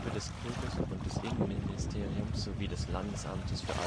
des Kultus - und des Innenministeriums sowie des Landesamtes für